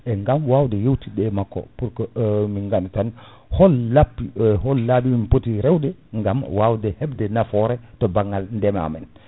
e gam wawde yewtitde e makko pour que min ganda tan hol lappi hol laaɓi min poti rewde gam wawde hebde nafoore to banggal ndeema